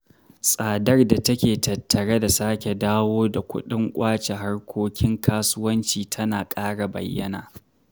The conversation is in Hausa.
Tsadar da take tattare da sake dawo da kuɗin Kwacha harkokin kasuwanci tana ƙara bayyana.